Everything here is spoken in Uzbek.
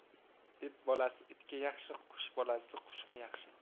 it bolasi itga yaxshi qush bolasi qushga yaxshi